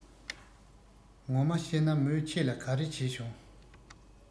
ངོ མ གཤད ན མོས ཁྱེད ལ ག རེ བྱས བྱུང